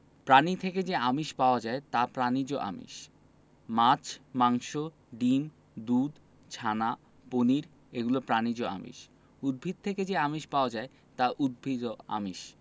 প্রাণী থেকে যে আমিষ পাওয়া যায় তা প্রাণিজ আমিষ মাছ মাংস ডিম দুধ ছানা পনির এগুলো প্রাণিজ আমিষ উদ্ভিদ থেকে যে আমিষ পাওয়া যায় তা উদ্ভিজ্জ আমিষ